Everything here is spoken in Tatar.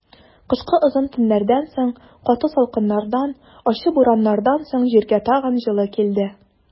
Кышкы озын төннәрдән соң, каты салкыннардан, ачы бураннардан соң җиргә тагын җылы килде.